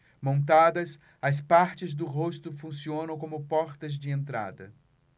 montadas as partes do rosto funcionam como portas de entrada